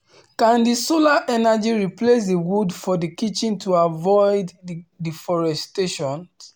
“Can the solar energy replace the wood for the kitchen to avoid the deforestation?”